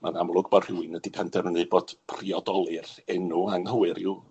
Ma'n amlwg bod rhywun wedi penderfynu bod priodolieth enw anghywir i'w